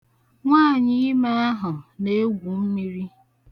Nwaanyịime ahụ na-egwu mmiri.